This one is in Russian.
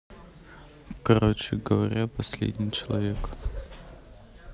короче говоря последний человек